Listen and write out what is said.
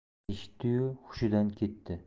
eshitdi yu hushidan ketdi